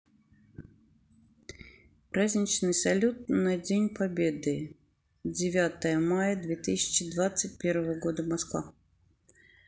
праздничный салют на день победы девятое мая две тысячи двадцать первого года москва